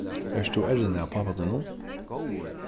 ert tú errin av pápa tínum